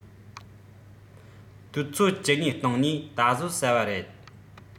དུས ཚོད གཅིག གཉིས སྟེང ནས ད གཟོད ཟ བ རེད